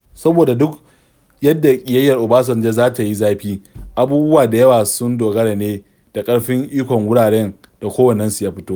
Saboda duk yadda ƙiyayyar Obasanjo za ta yi zafi, abubuwa da yawa sun dogara ne da ƙarfin ikon wuraren da kowannensu ya fito.